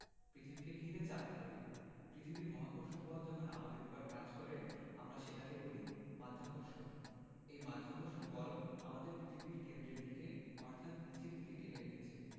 পৃথিবীকে ঘিরে চাঁদ ঘোরে পৃথিবীর মহাকর্ষ বল যখন আমাদের ওপর কাজ করে আমরা সেটাকে বলি মাধ্যাকর্ষণ এই মাধ্যাকর্ষণ বল আমাদের পৃথিবীর কেন্দ্রের দিকে অর্থাৎ নিচের দিকে টেনে রেখেছে